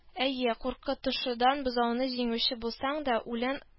Әйе, куркытышудан бозауны җиңүче булсаң да, үлән